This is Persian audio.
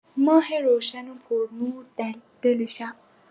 ماه روشن و پرنور در دل شب